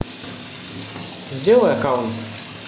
сделай аккаунт